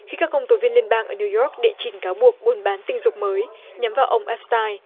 khi các công tố viên liên bang ở niu gióc đệ trình cáo buộc buôn bán tình dục mới nhắm vào ông ắp sờ tai